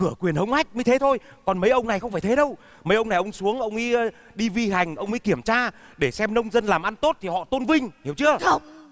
cửa quyền hống hách mới thế thôi còn mấy ông này không phải thế đâu mấy ông này ông xuống ông ý đi vi hành ông ấy kiểm tra để xem nông dân làm ăn tốt thì họ tôn vinh hiểu chưa